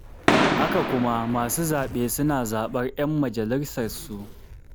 Haka kuma, masu zaɓe suna zaɓar 'yan majalisarsu.